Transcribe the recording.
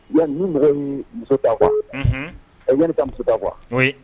Ni mɔgɔ ye muso ta fɔ a ye ne ka muso' qu